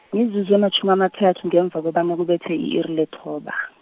mizuzu ematjhumi amathathu, ngemva kobana kubethe i-iri lethoba.